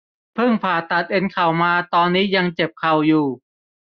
พึ่งผ่าตัดเอ็นเข่ามาตอนนี้ยังเจ็บเข่าอยู่